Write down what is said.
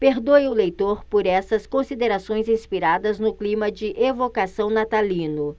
perdoe o leitor por essas considerações inspiradas no clima de evocação natalino